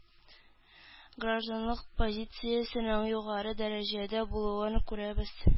Гражданлык позициясенең югары дәрәҗәдә булуын күрәбез